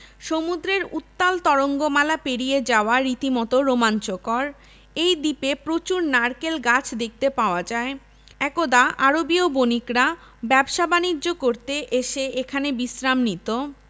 সমুদ্রের উত্তাল তরঙ্গমালা পেরিয়ে যাওয়া রীতিমত রোমাঞ্চকর এই দ্বীপে প্রচুর নারকেল গাছ দেখতে পাওয়া যায় একদা আরবীয় বণিকরা ব্যবসাবাণিজ্য করতে এসে এখানে বিশ্রাম নিতো